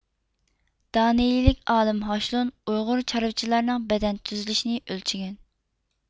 دانىيىلىك ئالىم ھاشلون ئۇيغۇر چارۋىچىلارنىڭ بەدەن تۈزۈلۈشىنى ئۆلچىگەن